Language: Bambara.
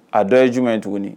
A dɔ ye jumɛn ye tuguni?